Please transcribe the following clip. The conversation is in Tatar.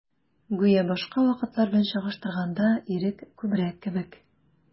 Гүя башка вакытлар белән чагыштырганда, ирек күбрәк кебек.